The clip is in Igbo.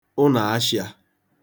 ụnọashịa